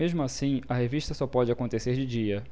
mesmo assim a revista só pode acontecer de dia